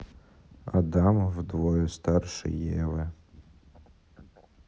адам вдвое старше евы